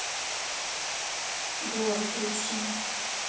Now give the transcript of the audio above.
голос лучшие